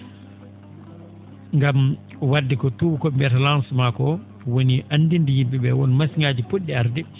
ngam wa?de ko tuubakoo?e mbiyata lancement ko woni anndinde yim?e ?ee won machine ?aaji po??i arde